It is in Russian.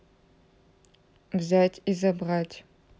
взять и забрать